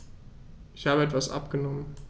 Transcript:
Ich habe etwas abgenommen.